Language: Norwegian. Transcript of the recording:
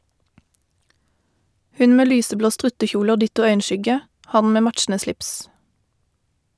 Hun med lyseblå struttekjole og ditto øyenskygge, han med matchende slips.